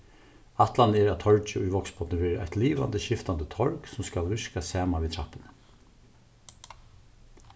ætlanin er at torgið í vágsbotni verður eitt livandi skiftandi torg sum skal virka saman við trappuni